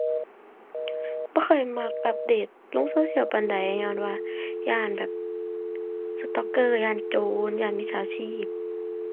บ่ค่อยมักอัปเดตลงโซเชียลปานใด ญ้อนว่าย้านแบบ stalker ย้านโจร ย้านมิจฉาชีพ